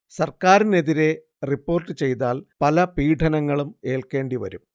സർക്കാരിനെതിരെ റിപ്പോർട്ട് ചെയ്താൽ പല പീഡനങ്ങളും ഏൽക്കേണ്ടിവരും